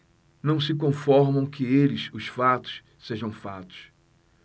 não se conformam que eles os fatos sejam fatos